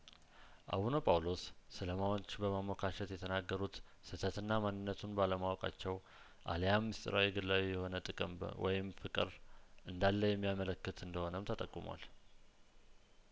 አቡነ ጳውሎስ ስለሟች በማሞካሸት የተናገሩት ስህተትና ማንነቱን ባለማወቃቸው አልያም ምስጢራዊ ግላዊ የሆነ ጥቅም ወይም ፍቅር እንዳለየሚ ያመለክት እንደሆነም ተጠቁሟል